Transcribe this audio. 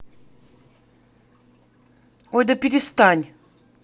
ой да перестань